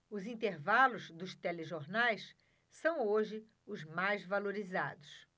os intervalos dos telejornais são hoje os mais valorizados